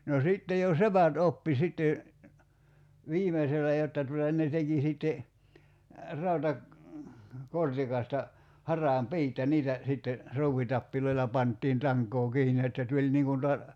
no sitten jo sepät oppi sitten viimeisellä jotta tuota ne teki sitten - rautakortikasta haravan piit ja niitä sitten ruuvitapeilla pantiin tankoon kiinni että tuli niin kuin -